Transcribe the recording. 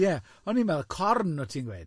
Ie, o'n i'n meddwl corn w t ti'n gweud?